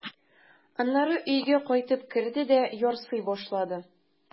Аннары өйгә кайтып керде дә ярсый башлады.